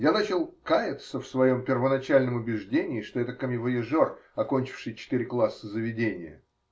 Я начал каяться в своем первоначальном убеждении, что это коммивояжер, окончивший четыре класса заведения.